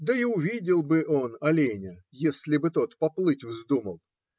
да и увидел бы он оленя, если бы тот поплыть вздумал.